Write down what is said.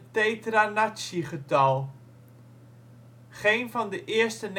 tetranaccigetal. Geen van de eerste